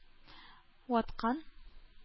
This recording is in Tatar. Ваткан